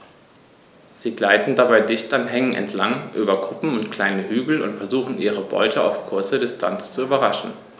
Sie gleiten dabei dicht an Hängen entlang, über Kuppen und kleine Hügel und versuchen ihre Beute auf kurze Distanz zu überraschen.